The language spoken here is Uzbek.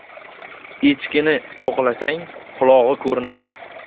echkini yo'qlasang qulog'i ko'rinar